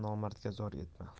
nomardga zor etma